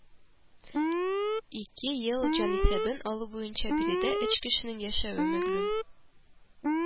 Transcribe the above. ИКЕ ел җанисәбен алу буенча биредә өч кешенең яшәве мәгълүм